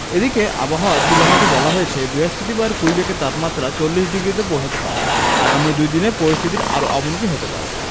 এদিকে আবহাওয়ার পূর্বাভাসে বলা হয়েছে বৃহস্পতিবার কুইবেকে তাপমাত্রা ৪০ ডিগ্রিতে পৌঁছাতে পারে আগামী দু'দিনে পরিস্থিতির আরও অবনতি হতে পারে